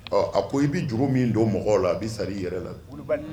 A ko i bɛ juru min don mɔgɔw la a bɛ sara i yɛrɛ la